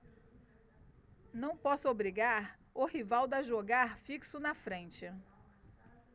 não posso obrigar o rivaldo a jogar fixo na frente